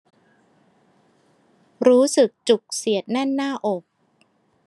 รู้สึกจุกเสียดแน่นหน้าอก